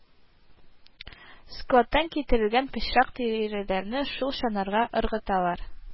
Складтан китерелгән пычрак тиреләрне шул чаннарга ыргыталар